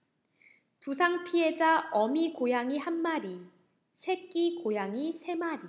부상 피해자 어미 고양이 한 마리 새끼 고양이 세 마리